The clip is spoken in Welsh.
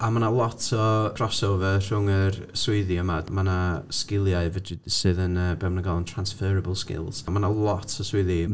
A mae 'na lot o crossover rhwng yr swyddi yma. Mae yna sgiliau fedri... sydd yn yy be ma' nhw'n galw'n transferable skills. A mae 'na lot o swyddi.